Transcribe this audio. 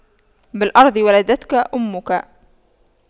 بالأرض ولدتك أمك